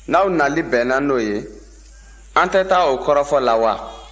n'aw nali bɛnna n'o ye an tɛ taa o kɔrɔfɔ la wa